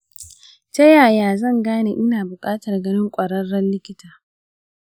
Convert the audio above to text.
ta yaya zan gane ina buƙatar ganin ƙwararren likita?